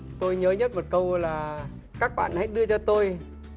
tôi nhớ nhất một câu là các bạn hãy đưa cho tôi